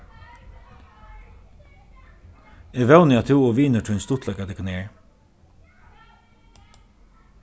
eg vóni at tú og vinur tín stuttleika tykkum her